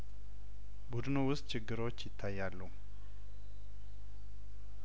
ቡድኑ ውስጥ ችግሮች ይታያሉ